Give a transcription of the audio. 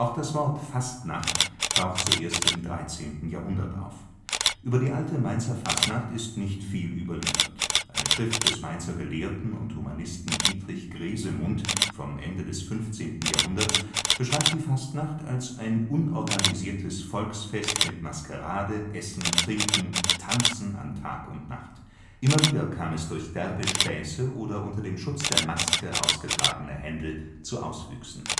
das Wort „ Fastnacht “taucht zuerst im 13. Jahrhundert auf. Über die alte Mainzer Fastnacht ist nicht viel überliefert. Eine Schrift des Mainzer Gelehrten und Humanisten Dietrich Gresemund vom Ende des 15. Jahrhunderts beschreibt die Fastnacht als ein unorganisiertes Volksfest mit Maskerade, Essen, Trinken, Tanzen an Tag und Nacht. Immer wieder kam es durch derbe Späße oder unter dem Schutz der Maske ausgetragene Händel zu Auswüchsen